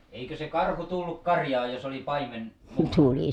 eikö se karhu tullut karjaan jos oli paimen mukana